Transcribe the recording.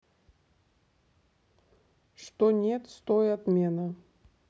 что нет стой отмена